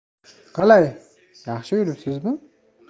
qalay yaxshi yuribsizmi